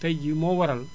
tey jii moo waral